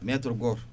métre goto